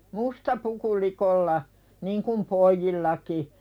musta puku likoilla niin kuin pojillakin